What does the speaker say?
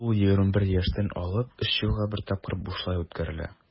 Ул 21 яшьтән алып 3 елга бер тапкыр бушлай үткәрелә.